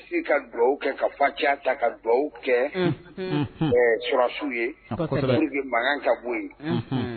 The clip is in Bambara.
Si ka dugawu kɛ ka fa ca ta ka dugawu kɛ susiw ye mankan ka bɔ ye